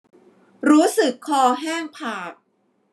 รู้สึกคอแห้งผาก